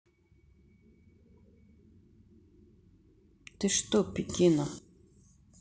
ты что пекина